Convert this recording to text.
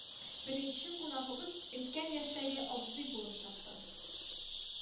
Беренче кунагыбыз өлкән яшьтәге абзый булып чыкты